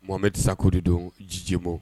Mohamed Sacko de don dj Bo